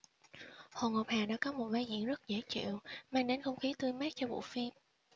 hồ ngọc hà đã có một vai diễn rất dễ chịu mang đến không khí tươi mát cho bộ phim